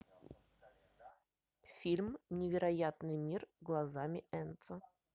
фильм невероятный мир глазами энцо